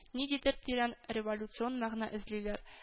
Ниндидер тирән революцион мәгънә эзлиләр